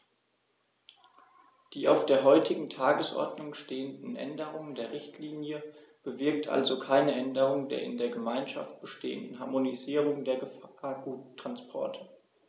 Die auf der heutigen Tagesordnung stehende Änderung der Richtlinie bewirkt also keine Änderung der in der Gemeinschaft bestehenden Harmonisierung der Gefahrguttransporte.